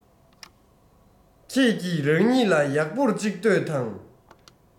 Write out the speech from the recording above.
ཁྱེད ཀྱི རང ཉིད ལ ཡག པོར ཅིག ལྟོས དང